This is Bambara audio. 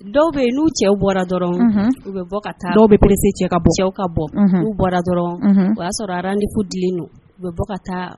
Dɔw bɛ yen' cɛw bɔra dɔrɔn u bɛ bɔ ka taa dɔw bɛ perese cɛ ka bɔ cɛw ka bɔ u bɔra dɔrɔn o y'a sɔrɔ ni ko dilen don u bɛ bɔ ka taa